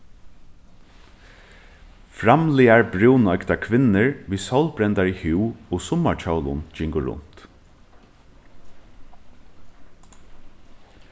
framligar brúnoygdar kvinnur við sólbrendari húð og summarkjólum gingu runt